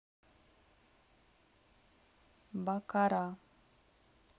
баккара